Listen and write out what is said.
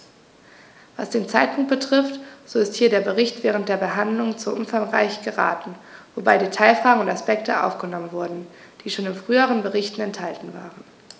Was den Zeitpunkt betrifft, so ist hier der Bericht während der Behandlung zu umfangreich geraten, wobei Detailfragen und Aspekte aufgenommen wurden, die schon in früheren Berichten enthalten waren.